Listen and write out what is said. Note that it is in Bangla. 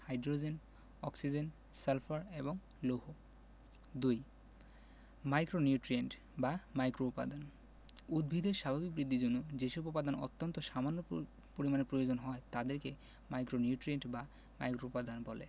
হাইড্রোজেন অক্সিজেন সালফার এবং লৌহ ২ মাইক্রোনিউট্রিয়েন্ট বা মাইক্রোউপাদান উদ্ভিদের স্বাভাবিক বৃদ্ধির জন্য যেসব উপাদান অত্যন্ত সামান্য পরিমাণে প্রয়োজন হয় তাদেরকে মাইক্রোনিউট্রিয়েন্ট বা মাইক্রোউপাদান বলে